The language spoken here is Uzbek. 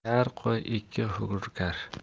kar qo'y ikki hurkar